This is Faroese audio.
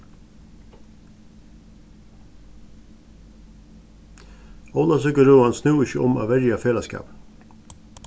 ólavsøkurøðan snúði seg um at verja felagsskapin